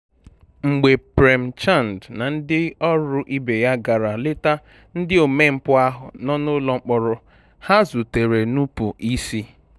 Mgbe Prem Chand na ndị ọrụ ibe ya gara leta ndị omempụ ahụ nọ n'ụlọ mkpọrọ, ha zutere nupụ isi: